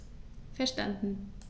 Verstanden.